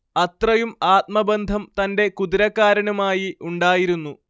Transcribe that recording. അത്രയും ആത്മബന്ധം തന്റെ കുതിരക്കാരനുമായി ഉണ്ടായിരുന്നു